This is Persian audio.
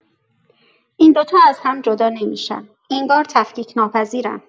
این دوتا از هم جدا نمی‌شن، انگار تفکیک‌ناپذیرن!